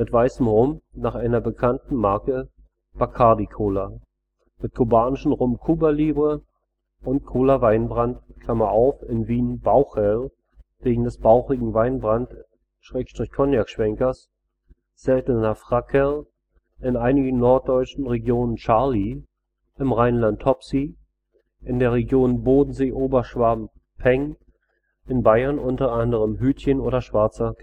weißem Rum nach einer bekannten Marke Bacardi-Cola, mit kubanischem Rum Cuba Libre und Cola-Weinbrand (in Wien Baucherl wegen des bauchigen Weinbrand -/ Cognacschwenkers, seltener Frackerl, in einigen norddeutschen Regionen Charly, im Rheinland Topsi, in der Region Bodensee-Oberschwaben Peng, in Bayern unter anderem Hütchen oder Schwarzer